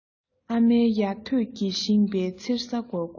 ཨ མའི ཡ ཐོད ཀྱིས བཞེངས པའི མཚེར ས སྒོར སྒོར